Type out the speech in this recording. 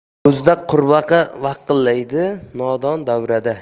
hovuzda qurbaqa vaqillaydi nodon davrada